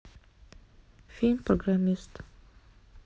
фильм программист